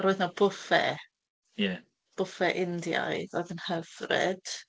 Roedd 'na bwffe... Ie ...bwffe Indiaidd oedd yn hyfryd.